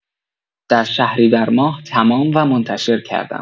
در شهریورماه تمام و منتشر کردم.